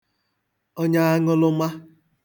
onyeaṅụlụma